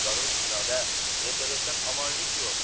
yorug' dunyoda vertolyotdan omonlik yo'q